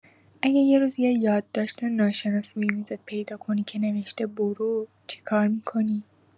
اگه یه روز یه یادداشت ناشناس روی میزت پیدا کنی که فقط نوشته "برو! "، چی کار می‌کنی؟